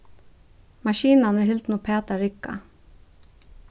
maskinan er hildin uppat at rigga